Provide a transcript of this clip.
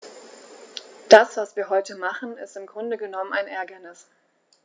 Das, was wir heute machen, ist im Grunde genommen ein Ärgernis.